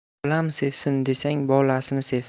bolam sevsin desang bolasini sev